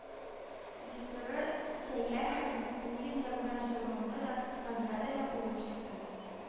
Зиторы сәйяр хәбибуллин язган җыр моңлы да, мәгънәле дә булып чыкты